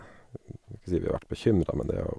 Kan ikke si vi har vært bekymra, men det har...